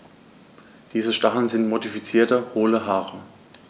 Diese Stacheln sind modifizierte, hohle Haare.